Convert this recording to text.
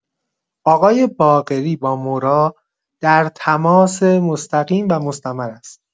آقای باقری با مورا در تماس مستقیم و مستمر است.